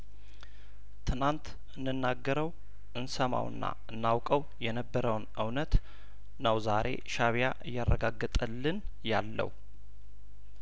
ትናንት እንናገረው እንሰማውና እናውቀው የነበረውን እውነት ነው ዛሬ ሻእቢያ እያረጋገጠልን ያለው